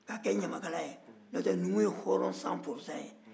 k'a kɛ ɲamakala ye n'o tɛ numu ye hɔrɔn 100 ye